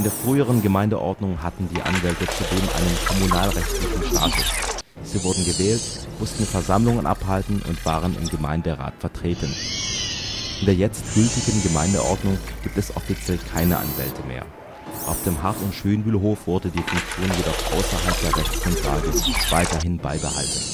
früheren Gemeindeordnung hatten die Anwälte zudem einen kommunalrechtlichen Status. Sie wurden gewählt, mussten Versammlungen abhalten und waren im Gemeinderat vertreten. In der jetzt gültigen Gemeindeordnung gibt es offiziell keine Anwälte mehr. Auf dem Hardt - und Schönbühlhof wurde die Funktion jedoch außerhalb der Rechtsgrundlage weiterhin beibehalten